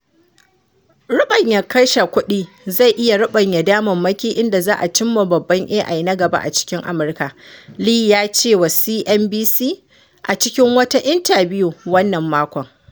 Ruɓanya kashe kuɗi zai iya rubanya damammaki inda za a cimma babban AI na gaba a cikin Amurka, Lee ya ce wa CNBC a cikin wata intabiyu wannan makon.